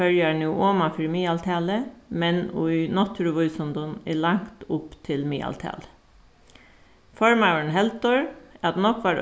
føroyar nú oman fyri miðaltalið men í náttúruvísindum er langt upp til miðaltalið formaðurin heldur at nógvar